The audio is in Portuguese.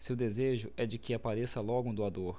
seu desejo é de que apareça logo um doador